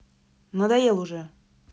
надоел уже